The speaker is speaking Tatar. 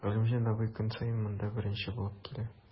Галимҗан абый көн саен монда беренче булып килә.